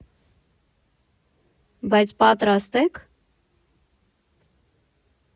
Բայց պատրաստ ե՞ք։